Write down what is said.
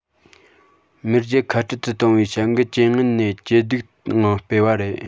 མེས རྒྱལ ཁ བྲལ ཏུ གཏོང བའི བྱ འགུལ ཇེ ངན ཇེ སྡུག ངང སྤེལ བ རེད